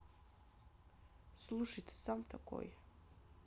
слушай ты сам такой